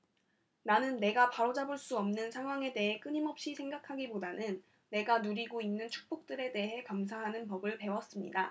나는 내가 바로잡을 수 없는 상황에 대해 끊임없이 생각하기보다는 내가 누리고 있는 축복들에 대해 감사하는 법을 배웠습니다